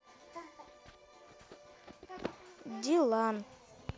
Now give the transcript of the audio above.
дилан